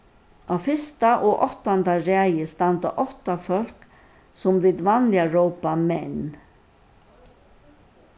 á fyrsta og áttanda raði standa átta fólk sum vit vanliga rópa menn